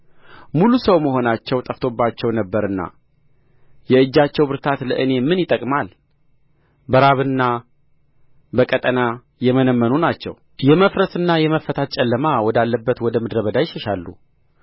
ሙሉ ሰው መሆናቸው ጠፍቶባቸው ነበርና የእጃቸው ብርታት ለእኔ ምን ይጠቅማል በራብና በቀጠና የመነመኑ ናቸው የመፍረስና የመፈታት ጨለማ ወዳለበት ወደ ምድረ በዳ ይሸሻሉ